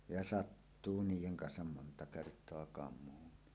ja sattuu niiden kanssa monta kertaa kamuunkin